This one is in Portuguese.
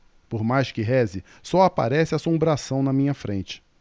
por mais que reze só aparece assombração na minha frente